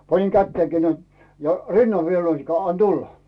panin kätenikin näin ja rinnan vielä näinikään anna tulla